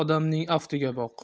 odamning aftiga boq